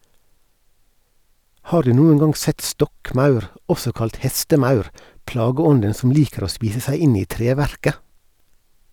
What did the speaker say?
Har du noen gang sett stokkmaur, også kalt hestemaur, plageånden som liker å spise seg inn i treverket?